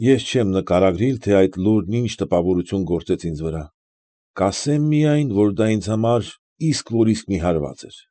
Ես չեմ նկարագրիլ, թե այդ լուրն ինչ տպավարություն գործեց ինձ վրա, կասեմ միայն, որ դա ինձ համար իսկ որ մի հարված էր։